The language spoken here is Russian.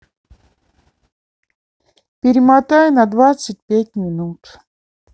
перемотай на двадцать пять минут